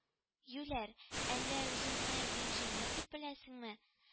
– юләр, әллә үзеңне бик җиңел дип беләсеңме